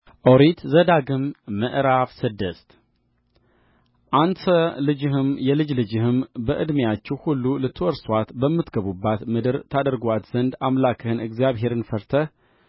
ኦሪት ዘዳግም ምዕራፍ ስድስት አንተ ልጅህም የልጅ ልጅህም በዕድሜአችሁ ሁሉ ልትወርሱአት በምትገቡባት ምድር ታደርጉአት ዘንድ አምላክህን እግዚአብሔርን ፈርተህ